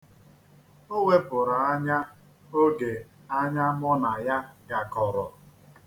O wepụrụ anya oge anya mụ na ya gakọrọ.